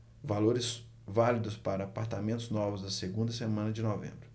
valores válidos para apartamentos novos na segunda semana de novembro